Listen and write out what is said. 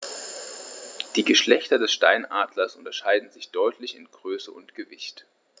Die Geschlechter des Steinadlers unterscheiden sich deutlich in Größe und Gewicht.